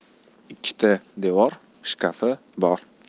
ikkita devor shkafi bor